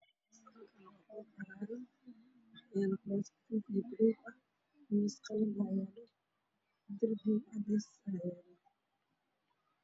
Waxaa kuraas cadaan guduud